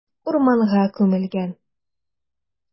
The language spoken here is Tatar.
Урманга күмелгән.